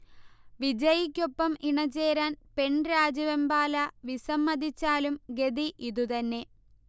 വിജയിക്കൊപ്പം ഇണചേരാൻ പെൺരാജവെമ്പാല വിസമ്മതിച്ചാലും ഗതി ഇതുതന്നെ